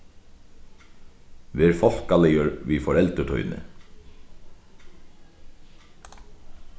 ver fólkaligur við foreldur tíni